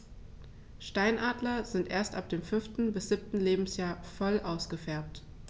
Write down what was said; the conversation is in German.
Steinadler sind erst ab dem 5. bis 7. Lebensjahr voll ausgefärbt.